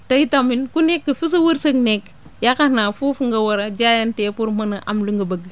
te itamit ku nekk fu sa wërsëg nekk yaakaar naa foofu nga war jaayantee pour mën a am li nga bëgg